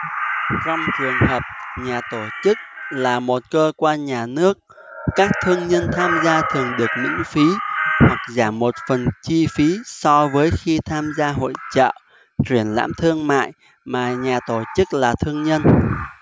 trong trường hợp nhà tổ chức là một cơ quan nhà nước các thương nhân tham gia thường được miễn phí hoặc giảm một phần chi phí so với khi tham gia hội chợ triển lãm thương mại mà nhà tổ chức là thương nhân